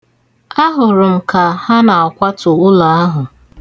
Ahụrụ m ka ha na-akwatu ụlọ ahụ.